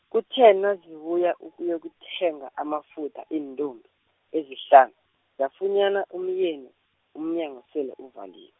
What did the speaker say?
kuthe nazibuya ukuyokuthenga amafutha iintombi, ezihlanu, zafunyana umyeni, umnyango sele uvaliwe.